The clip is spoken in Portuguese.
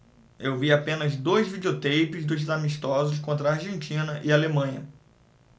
eu vi apenas dois videoteipes dos amistosos contra argentina e alemanha